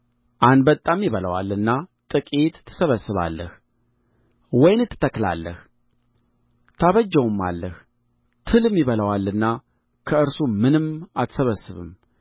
አንበጣም ይበላዋልና ጥቂት ትሰበስባለህ ወይን ትተክላለህ ታበጀውማለህ ትልም ይበላዋልና ከእርሱ ምንም አትሰበስብም